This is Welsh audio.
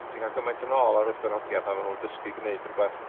Ti'n ca'l gymaint yn ôl ar wrth yr hogia pan ma' nw'n dysgu gneud rwbath